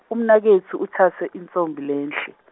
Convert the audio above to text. umnaketfu utsatse intfombi lenhle.